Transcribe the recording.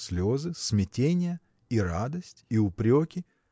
слезы, смятение, и радость, и упреки?